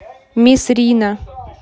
мисс рина